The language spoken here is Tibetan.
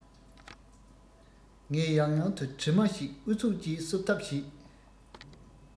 ངས ཡང ཡང དུ གྲིབ མ ཞིག ཨུ ཚུགས ཀྱིས བསུབ ཐབས བྱེད